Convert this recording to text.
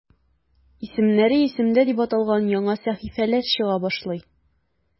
"исемнәре – исемдә" дип аталган яңа сәхифәләр чыга башлый.